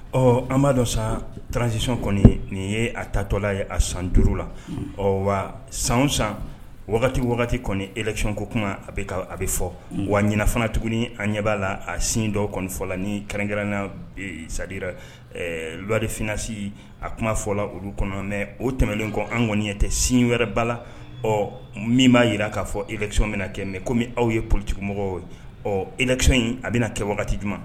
Ɔ an b'a dɔ sa transi kɔni nin ye a tatɔla ye a san duuru la ɔ wa san san wagati wagati kɔni econ ko kuma a bɛ a bɛ fɔ wa ɲɛnafana tuguni an ɲɛ b'a la a sin dɔ kɔnifɔ ni karɛnkɛrɛnna sadira wari fsi a kumafɔ la olu kɔnɔ mɛ o tɛmɛnlen kɔ an kɔniɔniya tɛ sin wɛrɛ bala la ɔ min b'a jira k'a fɔ econ min na kɛ mɛ kɔmi aw ye politimɔgɔ ye ɔ ec in a bɛna kɛ wagati jumɛn